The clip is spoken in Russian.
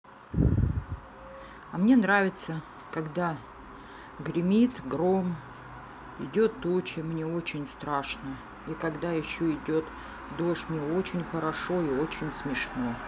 а мне нравится когда гремит гром идет тучи мне очень страшно и когда еще идет дождь мне очень хорошо и очень смешно